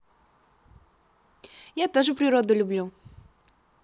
я тоже природу люблю